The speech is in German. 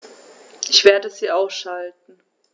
Ich werde sie ausschalten